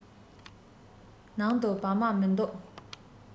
ནང དུ བག མ མི འདུག